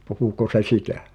puhuiko se sitä